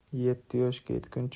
yetti yoshga yetguncha